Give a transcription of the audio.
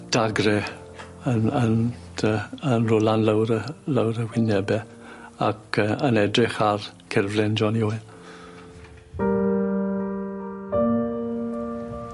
Dagre yn yn dy- yn rolan lawr y lawr y wyneb e ac yy yn edrych ar cerflun Johnny Owen.